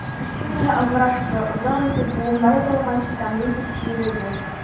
Көчсез генә ыңгырашты, озак итеп, буыннары талганчы тәмле итеп киерелде.